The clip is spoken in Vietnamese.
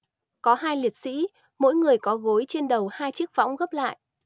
có hai liệt sĩ mỗi người có gối trên đầu hai chiếc võng gấp lại